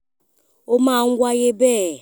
Ó máa ń wáyé bẹ́ẹ̀